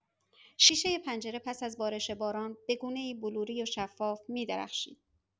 شیشه پنجره پس از بارش باران، به‌گونه‌ای بلوری و شفاف می‌درخشید.